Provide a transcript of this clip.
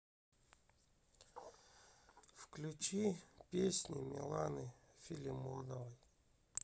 включи песни миланы филимоновой